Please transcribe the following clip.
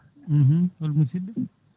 hol musidɗo